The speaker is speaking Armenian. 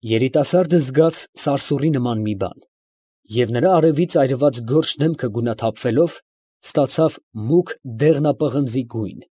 Երիտասարդը զգաց սարսուռի նման մի բան, և նրա արևից այրված գորշ դեմքը գունաթափվելով, ստացավ մուգ դեղնապղնձի գույն։